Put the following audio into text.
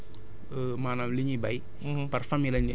bu ñu topp maanaam li ñuy béy